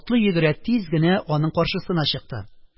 Атлый-йөгерә тиз генә аның каршысына чыкты.